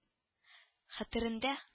Хәтерендә